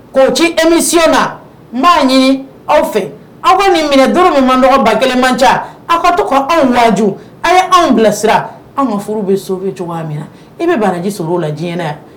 Ko ci emi si na n'a ɲini aw fɛ aw ka nin minɛ duuru min man dɔgɔ ba kelenman ca aw ka to anw laj aw ye anw bilasira anw ka furu bɛ so cogo min na i bɛ baraji so o la yan